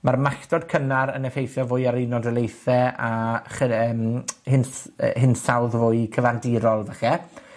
Ma'r malltod cynnar yn effeithio fwy ar yr Unol Daleithiau a chyre- yym hins- yy hinsawdd fwy cyfandirol fache.